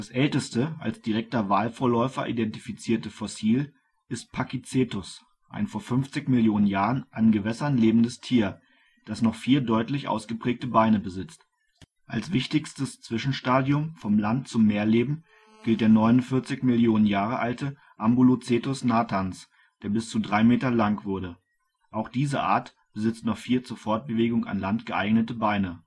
älteste als direkter Walvorläufer identifizierte Fossil ist Pakicetus, ein vor 50 Millionen Jahren an Gewässern lebendes Tier, das noch vier deutlich ausgeprägte Beine besitzt. Als wichtigstes Zwischenstadium vom Land - zum Meerleben gilt der 49 Millionen Jahre alte Ambulocetus natans, der bis zu drei Meter lang wurde. Auch diese Art besitzt noch vier zur Fortbewegung an Land geeignete Beine